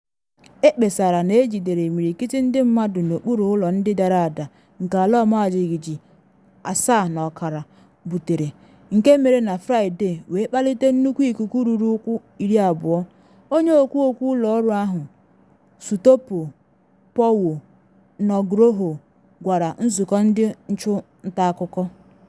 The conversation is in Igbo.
Ekpesara na ejidere imirikiti ndị mmadụ n’okpuru ụlọ ndị dara ada nke ala ọmajijiji 7.5 butere nke mere na Friday wee kpalite nnukwu ikuku ruru ụkwụ 20, onye okwu okwu ụlọ ọrụ ahụ Sutopo Purwo Nugroho gwara nzụkọ ndị nchụ nta akụkọ.